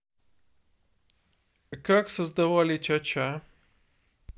как создавали ча ча